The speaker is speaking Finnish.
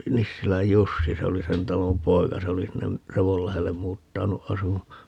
Nissilän Jussi se oli sen talon poika se oli sinne Revonlahdelle muuttanut asumaan